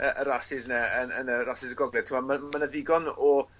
...y y rasys 'na yn yn y rasys y gogledd t'mo' ma' ma' 'na ddigon o